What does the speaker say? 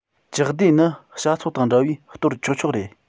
ཇག སྡེ ནི བྱ ཚོགས དང འདྲ བས གཏོར ཆོག ཆོག རེད